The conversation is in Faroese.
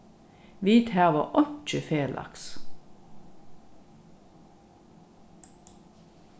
vit hava einki felags